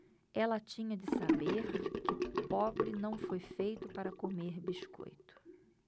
ela tinha de saber que pobre não foi feito para comer biscoito